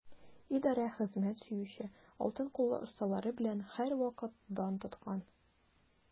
Идарә хезмәт сөюче, алтын куллы осталары белән һәрвакыт дан тоткан.